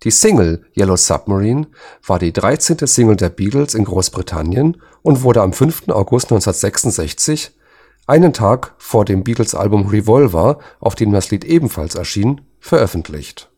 Single „ Yellow Submarine “war die dreizehnte Single der Beatles in Großbritannien und wurde am 5. August 1966 – einen Tag vor dem Beatles-Album Revolver, auf dem das Lied ebenfalls erschien – veröffentlicht